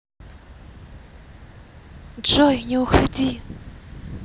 джой не уходи